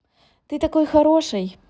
ты такой хороший